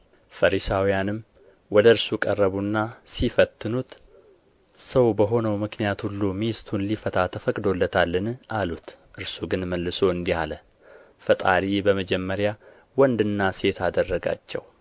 ፈሪሳውያንም ወደ እርሱ ቀረቡና ሲፈትኑት ሰው በሆነው ምክንያት ሁሉ ሚስቱን ሊፈታ ተፈቅዶለታልን አሉት እርሱ ግን መልሶ እንዲህ አለ ፈጣሪ በመጀመሪያ ወንድና ሴት አደረጋቸው